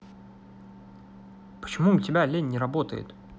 почему у тебя олень не работает